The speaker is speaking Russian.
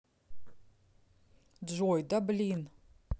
джой да блин